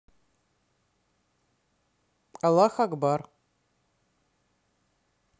аллах акбар